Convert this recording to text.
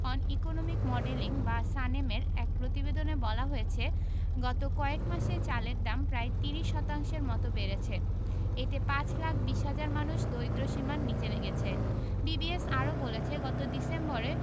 on economic modelling বা সানেমের এক প্রতিবেদনে বলা হয়েছে গত কয়েক মাসে চালের দাম প্রায় ৩০ শতাংশের মতো বেড়েছে এতে ৫ লাখ ২০ হাজার মানুষ দারিদ্র্যসীমার নিচে গেছে বিবিএস আরও বলছে গত ডিসেম্বরে